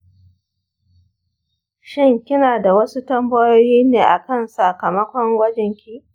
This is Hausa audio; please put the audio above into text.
shin kinada wasu tambayoyi ne akan sakamakon gwajinki?